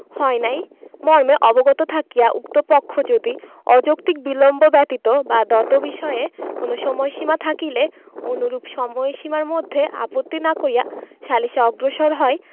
হয় নাই মর্মে অবগত থাকিয়া উক্ত পক্ষ যদি অযৌক্তিক বিলম্ব ব্যতীত বা দতবিষয়ে কোন সময়সীমা থাকিলে অনুরূপ সময়সীমার মধ্যে আপত্তি না করিয়া সালিসে অগ্রসর হয়